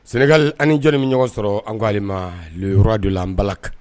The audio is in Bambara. Senegali ani jɔn min ɲɔgɔn sɔrɔ an k'ale ma y don la an bala